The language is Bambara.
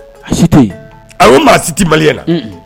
A si té ye, .Ayi , a si tɛ yen , maa si tɛ Maliɲɔn na.